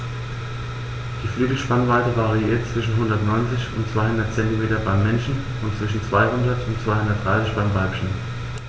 Die Flügelspannweite variiert zwischen 190 und 210 cm beim Männchen und zwischen 200 und 230 cm beim Weibchen.